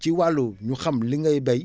ci wàllu énu xam li ngay béy